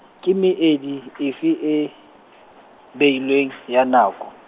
ke meedi efe e, beilweng ya nako?